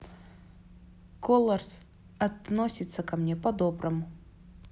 colors относится ко мне по доброму